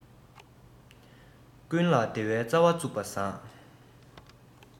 ཀུན ལ བདེ བའི རྩ བ བཙུགས པ བཟང